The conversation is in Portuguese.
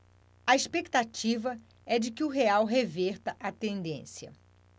a expectativa é de que o real reverta a tendência